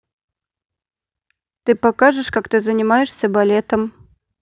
ты покажешь как ты занимаешься балетом